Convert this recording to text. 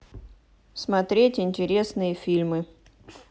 смотреть интересные фильмы